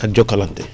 ak Jokalante